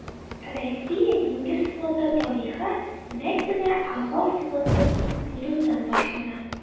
Россия диңгез флоты тарихы нәкъ менә Азов флотын булдырудан башлана.